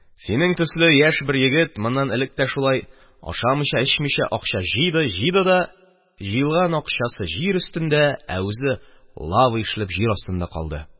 «синең төсле яшь бер егет, моннан элек тә шулай ашамыйча-эчмичә акча җыйды-җыйды да, җыелган акчасы – җир өстендә, ә үзе, лава ишелеп, җир астында калды.